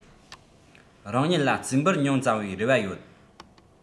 རང ཉིད ལ རྩིས འབུལ ཉུང ཙམ བའི རེ བ ཡོད